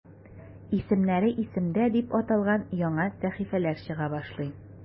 "исемнәре – исемдә" дип аталган яңа сәхифәләр чыга башлый.